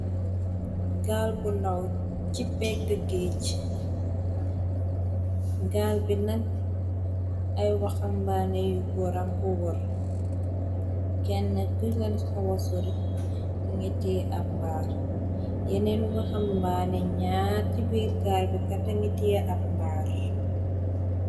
gaal bu ndaw ci pégd géej, gaal bi nag ay waxambaane yu boran ko wër, kenn tigan xawa suri ngi tii ab mbaar , yeneenu baxambaane ñaar ci biir gaal bi kata ngi tii ab mdaar.